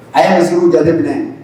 A y'an sigi jate minɛ